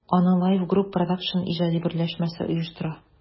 Аны JIVE Group Produсtion иҗади берләшмәсе оештыра.